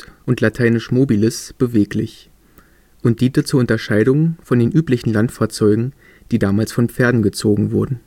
und lateinisch mobilis ‚ beweglich ‘und diente zur Unterscheidung von den üblichen Landfahrzeugen, die damals von Pferden gezogen wurden